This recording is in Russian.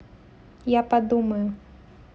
я подумаю